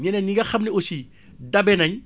ñeneen ñi nga xam ne aussi dabe nañ